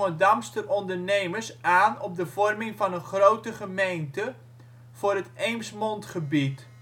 Damster ondernemers aan op de vorming van een grote gemeente voor het Eemsmondgebied, waarin Appingedam